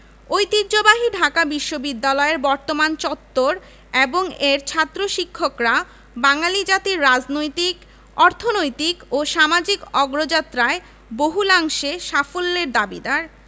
ঐতিহ্যবাহী ঢাকা বিশ্ববিদ্যালয়ের বর্তমান চত্বর এবং এর ছাত্র শিক্ষকরা বাঙালি জাতির রাজনৈতিক অর্থনৈতিক ও সামাজিক অগ্রযাত্রায় বহুলাংশে সাফল্যের দাবিদার